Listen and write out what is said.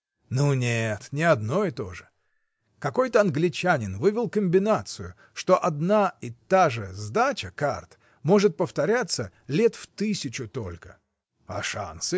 — Ну, нет, не одно и то же: какой-то англичанин вывел комбинацию, что одна и та же сдача карт может повториться лет в тысячу только. А шансы?